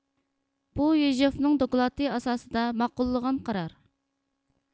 بۇ يېژوفنىڭ دوكلاتى ئاساسىدا ماقۇللىغان قارار